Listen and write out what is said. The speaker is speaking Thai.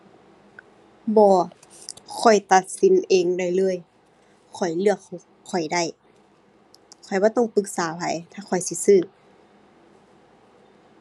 บ่ ข้อยตัดสินเองได้เลย ข้อยเลือกของข้อยได้ ข้อยบ่ต้องปรึกษาไผถ้าข้อยสิซื้อ